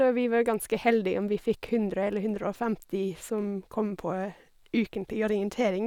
Og vi var ganske heldig om vi fikk hundre eller hundre og femti som kom på ukentlig orientering.